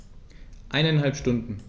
Eineinhalb Stunden